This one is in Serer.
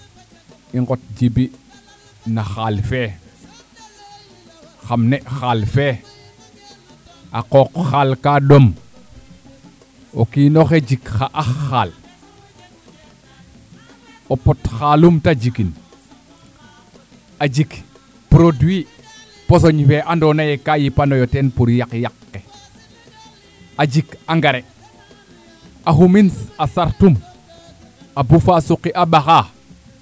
i ŋot Djiby na xaal fe xam ne xaal fe a qooa xaar ka ɗom o kiinoxe jik xa ax xaal o pot xalum te jikin a jik produit posoñ fee ando naye ka yipano yo teen pour yaq yaq ke a jik engrais a xumin a sartum a bufa suqi a ɓaxa